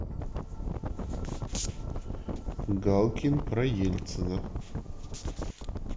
галкин про ельцина